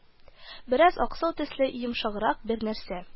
Бераз аксыл төсле, йомшаграк бер нәрсә